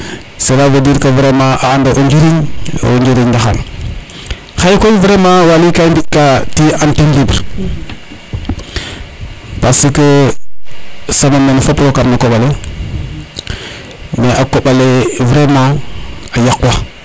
cela veut dire que vraiment a anda o njiriñ ndaxar xaye koy vraiment Waly ka i mbi tiye antenne libre parce que semaine nene fop rokam na koɓale me a koɓale vraiment a yaqwa